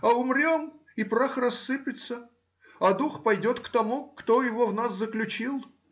а умрем, и прах рассыпется, а дух пойдет к тому, кто его в нас заключил.